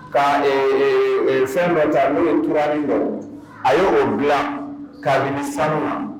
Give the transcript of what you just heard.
Ka fɛn bɛ taa n'o ye turanin bɔ a y'o dilan, kabini sanu ma